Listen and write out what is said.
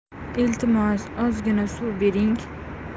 iltimos ozgina suv bering